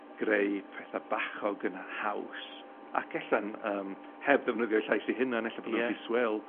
greu petha bachog yn haws, ac ella'n yym heb ddefnyddio'u llais eu hunain ella bo' nhw'n... Ie. ...rhy swil.